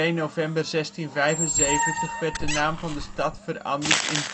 november 1675 werd de naam van de stad veranderd in